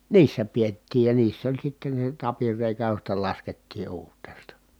niissä pidettiin ja niissä oli sitten se tapinreikä josta laskettiin uurteesta